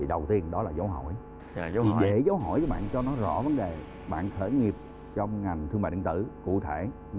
thì đầu tiên đó là dấu hỏi để dấu hỏi dấu hỏi các bạn cho nó rõ vấn đề bạn khởi nghiệp trong ngành thương mại điện tử cụ thể nó